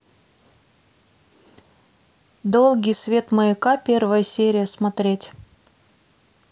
долгий свет маяка первая серия смотреть